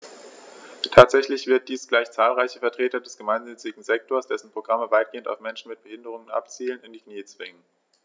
Tatsächlich wird dies gleich zahlreiche Vertreter des gemeinnützigen Sektors - dessen Programme weitgehend auf Menschen mit Behinderung abzielen - in die Knie zwingen.